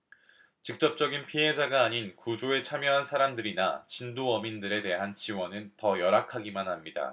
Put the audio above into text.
직접적인 피해자가 아닌 구조에 참여한 사람들이나 진도어민들에 대한 지원은 더 열악하기만 합니다